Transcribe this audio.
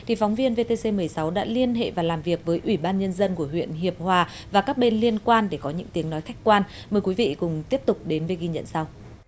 thì phóng viên vê tê xê mười sáu đã liên hệ và làm việc với ủy ban nhân dân của huyện hiệp hòa và các bên liên quan để có những tiếng nói khách quan mời quý vị cùng tiếp tục đến với ghi nhận sau